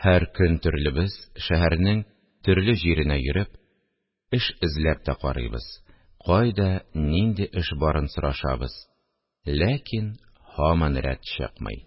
Һәр көн төрлебез шәһәрнең төрле җиренә йөреп, эш эзләп тә карыйбыз, кайда нинди эш барын сорашабыз, ләкин һаман рәт чыкмый: